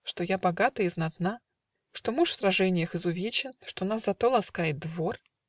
Что я богата и знатна, Что муж в сраженьях изувечен, Что нас за то ласкает двор?